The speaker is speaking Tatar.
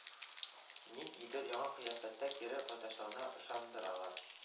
Нин идер яңа кыяфәттә кире кайтачагына ышандыралар